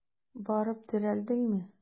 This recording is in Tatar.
Барып терәлдеңме?